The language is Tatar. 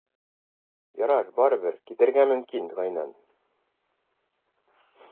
Ярар, барыбер, китәргә мөмкин, Гайнан.